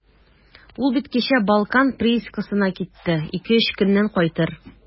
Ул бит кичә «Балкан» приискасына китте, ике-өч көннән кайтыр.